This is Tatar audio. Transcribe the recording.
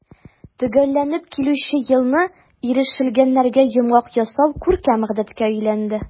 Төгәлләнеп килүче елны ирешелгәннәргә йомгак ясау күркәм гадәткә әйләнде.